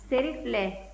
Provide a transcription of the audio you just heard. seri filɛ